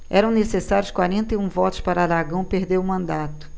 eram necessários quarenta e um votos para aragão perder o mandato